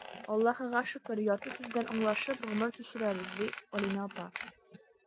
Аллаһыга шөкер, ярты сүздән аңлашып гомер кичерәбез,— ди Алинә апа.